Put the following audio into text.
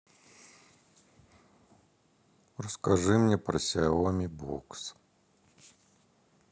расскажи мне про сяоми бокс